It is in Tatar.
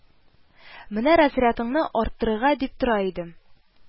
Менә разрятыңны арттырырга дип тора идем